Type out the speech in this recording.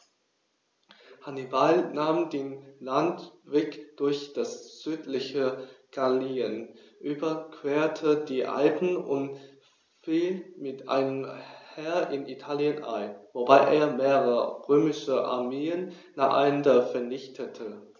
Hannibal nahm den Landweg durch das südliche Gallien, überquerte die Alpen und fiel mit einem Heer in Italien ein, wobei er mehrere römische Armeen nacheinander vernichtete.